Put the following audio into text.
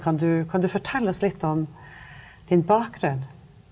kan du kan du fortelle oss litt om din bakgrunn?